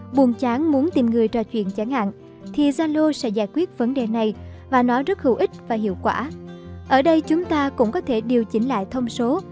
buồn chán muốn tìm người trò chuyện chẳng hạn thì zalo sẽ giải quyết vấn đề này và nó rất hữu ích và hiệu quả ở đây chúng ta cũng có thể điều chỉnh lại thông số